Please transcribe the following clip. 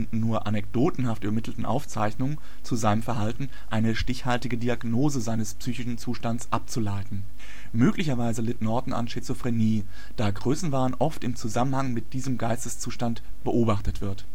nur anekdotenhaft übermittelten Aufzeichnungen zu seinem Verhalten eine stichhaltige Diagnose seines psychischen Zustands abzuleiten. Möglicherweise litt Norton an Schizophrenie, da Größenwahn oft im Zusammenhang mit diesem Geisteszustand beobachtet wird